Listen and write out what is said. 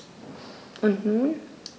Und nun?